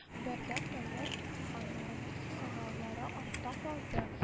Бердәм дәүләт имтиханнарының сынаулары артта калды